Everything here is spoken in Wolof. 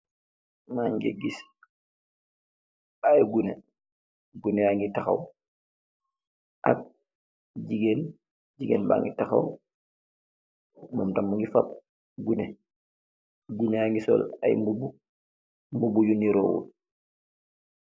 Mangeh giss ay guneh , guneh yangi tahaw ak jigeen mba geh tahaw moom tam mungi fopp guneh , guneh yangi sol ayy mbubu, mbubu yu duroh wutt.